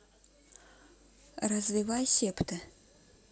развивай септы